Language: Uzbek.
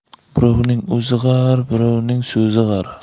birovning o'zi g'ar birovning so'zi g'ar